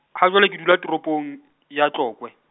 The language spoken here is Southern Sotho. ha jwale ke dula toropong, ya Tlokwe.